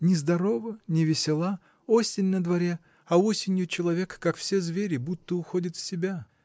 нездорова, невесела, осень на дворе, а осенью человек, как все звери, будто уходит в себя.